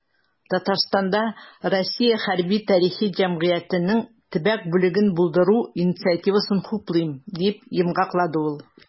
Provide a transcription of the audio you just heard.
"татарстанда "россия хәрби-тарихи җәмгыяте"нең төбәк бүлеген булдыру инициативасын хуплыйм", - дип йомгаклады ул.